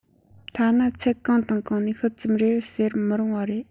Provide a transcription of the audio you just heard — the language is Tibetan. ཐ ན ཚད གང དང གང ནས ཤུལ ཙམ རེད ཟེར མི རུང བ རེད